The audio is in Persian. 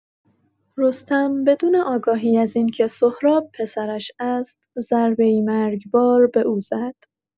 رستم بدون آگاهی از اینکه سهراب پسرش است، ضربه‌ای مرگبار به او زد.